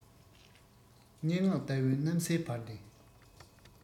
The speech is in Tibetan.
སྙན ངག ལྟ བུའི གནམ སའི བར ནས